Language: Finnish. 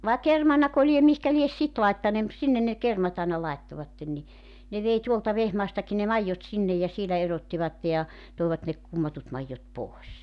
vai kermanako lie mihinkä lie sitten laittaneet mutta sinne ne kermat aina laittoivat niin ne vei tuolta Vehmaastakin ne maidot sinne ja siellä erottivat ja toivat ne kummatut maidot pois